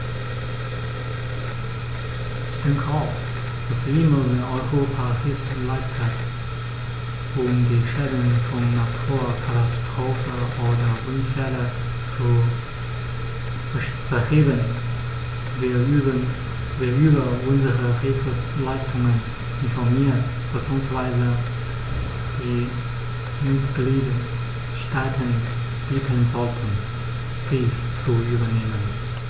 Ich denke auch, dass immer wenn Europa Hilfe leistet, um die Schäden von Naturkatastrophen oder Unfällen zu beheben, wir über unsere Hilfsleistungen informieren bzw. die Mitgliedstaaten bitten sollten, dies zu übernehmen.